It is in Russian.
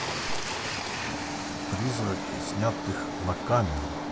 призраки снятых на камеру